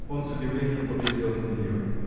Он с удивлением поглядел на нее.